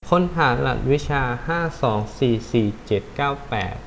ค้นหารหัสวิชาห้าสองสี่สี่เจ็ดเก้าแปด